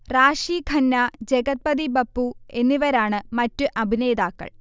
റാഷി ഖന്ന, ജഗത്പതി ബപ്പു എന്നിവരാണ് മറ്റ് അഭിനേതാക്കൾ